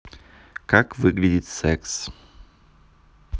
как выглядит секс